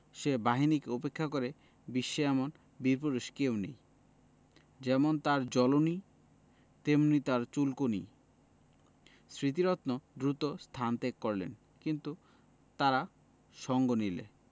সে বাহিনীকে উপেক্ষা করে বিশ্বে এমন বীরপুরুষ কেউ নেই যেমন তার জ্বলুনি তেমনি তার চুলকুনি স্মৃতিরত্ন দ্রুত স্থান ত্যাগ করলেন কিন্তু তারা সঙ্গ নিলে